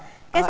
cái